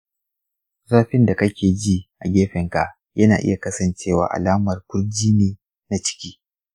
zafin da kake ji a gefenka yana iya kasancewa alamar kurji ne na ciki